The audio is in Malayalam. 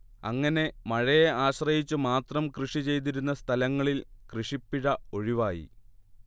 അങ്ങനെ മഴയെ ആശ്രയിച്ചു മാത്രം കൃഷി ചെയ്തിരുന്ന സ്ഥലങ്ങളിൽ കൃഷിപ്പിഴ ഒഴിവായി